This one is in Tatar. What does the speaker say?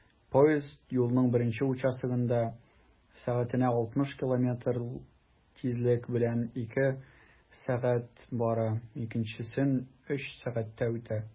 Поезд юлның беренче участогында 60 км/сәг тизлек белән 2 сәг. бара, икенчесен 3 сәгатьтә үтә.